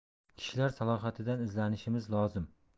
kishilar salohiyatidan izlashimiz lozim